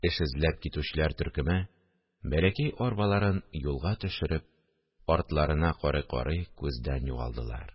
Эш эзләп китүчеләр төркеме, бәләкәй арбаларын юлга төшереп, артларына карый-карый күздән югалдылар